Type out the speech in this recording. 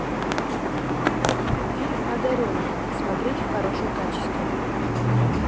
фильм одаренная смотреть в хорошем качестве